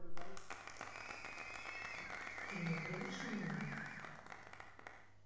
ты не врешь мне